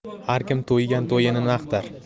har kim to'ygan to'yini maqtar